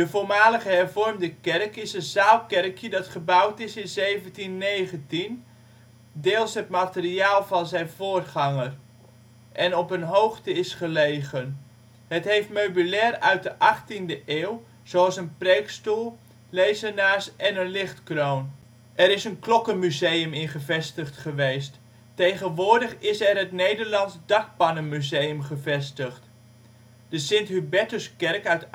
voormalige Hervormde kerk is een zaalkerkje dat gebouwd is in 1719, deels met materiaal van zijn voorganger, en op een hoogte is gelegen. Het heeft meubilair uit de 18e eeuw, zoals een preekstoel, lezenaars en een lichtkroon. Er is een klokkenmuseum in gevestigd geweest. Tegenwoordig is er het Nederlands Dakpannenmuseum gevestigd. De Sint-Hubertuskerk uit